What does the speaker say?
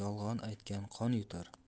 yolg'on aytgan qon yutar